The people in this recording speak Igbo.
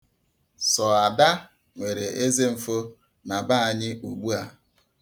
Sọ Ada nwere ezemfo na be anyị ugbua.